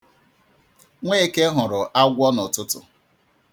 Nweeke hụrụ agwọ n'ụtụtụ.